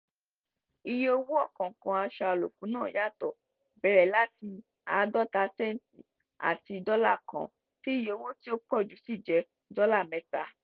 Iye owó ọ̀kọ̀ọ̀kan aṣọ àlòkù náà yàtọ̀ bẹ̀rẹ̀ láti bíi sẹ́ǹtì 50 àti $1 tí iye owó tí ó pọ̀ jù sì jẹ́ $3.